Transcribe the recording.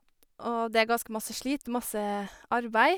Og det er ganske masse slit, masse arbeid.